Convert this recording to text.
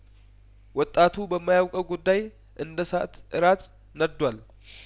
ወጣቱ በማ ያውቀው ጉዳይእንደ ሳት እራት ነድዷል